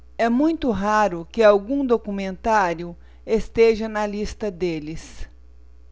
é muito raro que algum documentário esteja na lista deles